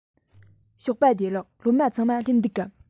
ཞོགས པ བདེ ལེགས སློབ མ ཚང མ སླེབས འདུག གམ